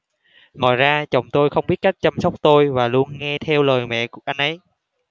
ngoài ra chồng tôi không biết cách chăm sóc tôi và luôn nghe theo lời mẹ anh ấy